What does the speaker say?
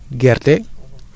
dugub